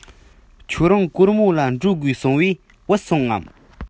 ཁྱོད རང གོར མོ ལ འགྲོ དགོས གསུངས པས བུད སོང ངམ